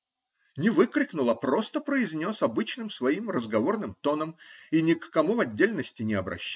Не выкрикнул, а просто произнес обычным своим разговорным тоном и ни к кому в отдельности не обращаясь